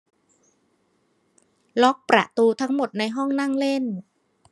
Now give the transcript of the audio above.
ล็อกประตูทั้งหมดในห้องนั่งเล่น